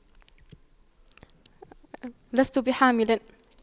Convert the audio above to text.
لست بحامل